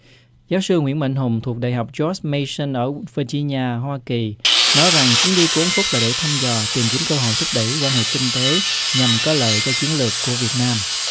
giáo sư nguyễn mạnh hùng thuộc đại học giót mây sưn ở ven thi nhà ở hoa kỳ nói rằng chuyến đi của ông phúc để thăm dò tìm kiếm cơ hội thúc đẩy quan hệ kinh tế nhằm có lợi cho chiến lược của việt nam